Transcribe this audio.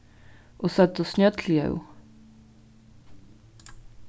og søgdu snjøll ljóð